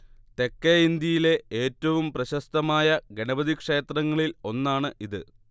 തെക്കേ ഇന്ത്യയിലെ ഏറ്റവും പ്രശസ്തമായ ഗണപതി ക്ഷേത്രങ്ങളിൽ ഒന്നാണ് ഇത്